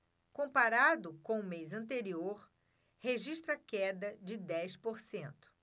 comparado com o mês anterior registra queda de dez por cento